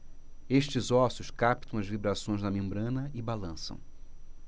estes ossos captam as vibrações da membrana e balançam